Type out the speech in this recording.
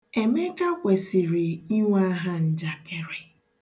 Emeka kwesịrị inwe ahanjakịrị.